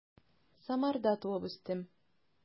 Самарда туып үстем.